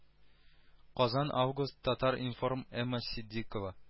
Казан август татар информ эмма ситдыйкова